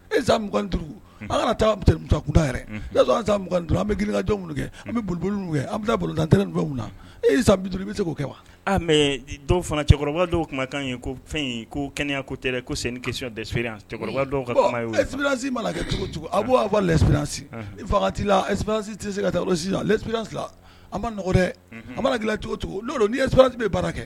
E mugan an kana taa kunda yɛrɛugan an bɛ gka jɔn kɛ an bɛw an bolotantɛ bɛ na e duuru i bɛ se k'o kɛ wa mɛ dɔw fana cɛ dɔw tun kan ye ko fɛn ko kɛnɛyaya ko kokisɛerebisi mana kɛcogocogo a b'' fɔ ssi i fanga t' la esipsi tɛ se ka taa sisan sbran an nɔgɔ an manalacogocogo n'o don ni yesirarati bɛ baara kɛ